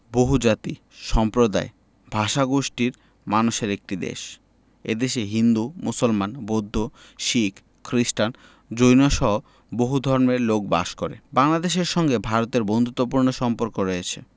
বহুজাতি সম্প্রদায় ও ভাষাগোষ্ঠীর মানুষের একটি দেশ এ দেশে হিন্দু মুসলমান বৌদ্ধ শিখ খ্রিস্টান জৈনসহ বহু ধর্মের লোক বাস করে বাংলাদেশের সঙ্গে ভারতের বন্ধুত্তপূর্ণ সম্পর্ক রয়ছে